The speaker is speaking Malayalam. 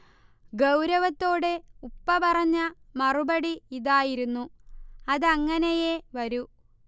ഗൗരവത്തോടെ ഉപ്പ പറഞ്ഞ മറുപടി ഇതായിരുന്നു: അതങ്ങനെയേ വരൂ